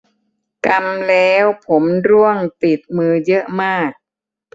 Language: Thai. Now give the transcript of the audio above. กำแล้วผมร่วงติดมือเยอะมาก